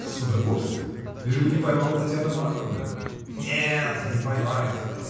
— С удовольствием: лишь бы не поймала Татьяна Марковна! — Нет, не поймает.